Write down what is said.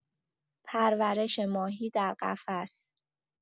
پرورش ماهی در قفس